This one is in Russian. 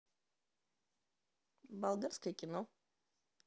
болгарское кино